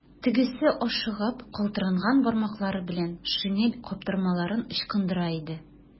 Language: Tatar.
Тегесе ашыгып, калтыранган бармаклары белән шинель каптырмаларын ычкындыра иде.